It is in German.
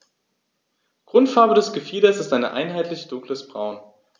Grundfarbe des Gefieders ist ein einheitliches dunkles Braun.